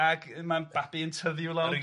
ac ma' babi yn tyfu i'w